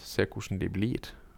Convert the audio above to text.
Se kossjn de blir.